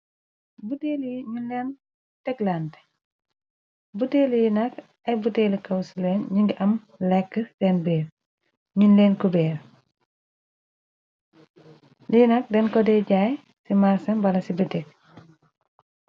buteeli ñuñ leen teklante buteeli yi nak ay buteeli kaw ci leen ñi ngi am lekk seen ber ri nak den ko dee jaay ci màrsin bala ci bitek